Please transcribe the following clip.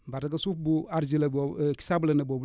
parce que suuf bu argileux boobu sableneux boobu